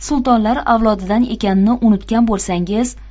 sultonlar avlodidan ekanini unutgan bo'lsangiz